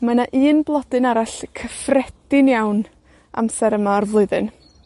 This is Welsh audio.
Ma' 'na un blodyn arall cyffredin iawn amser yma o'r flwyddyn.